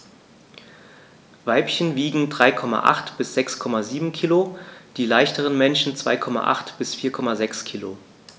Weibchen wiegen 3,8 bis 6,7 kg, die leichteren Männchen 2,8 bis 4,6 kg.